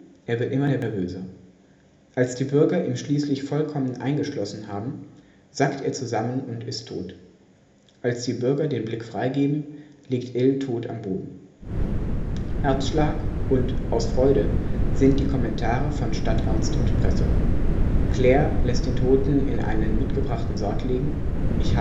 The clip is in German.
er wird immer nervöser. Als die Bürger ihn schließlich vollkommen eingeschlossen haben, sackt er zusammen und ist tot. Als die Bürger den Blick freigeben, liegt Ill tot am Boden. „ Herzschlag “und „ aus Freude “sind die Kommentare von Stadtarzt und Presse. Claire lässt den Toten in einen mitgebrachten Sarg legen („ Ich